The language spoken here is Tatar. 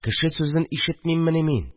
Кеше сүзен ишетмиммени мин